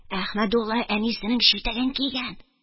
Әхмәдулла әнисенең читеген кигән!